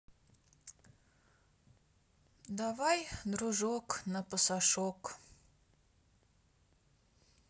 давай дружок на посошок